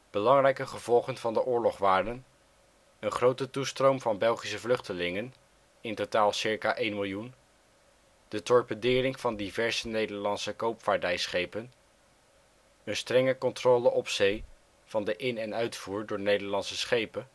Belangrijke gevolgen van de oorlog waren: een grote toestroom van Belgische vluchtelingen (in totaal circa 1 miljoen); de torpedering van diverse Nederlandse koopvaardijschepen; een strenge controle op zee van de in - en uitvoer door Nederlandse schepen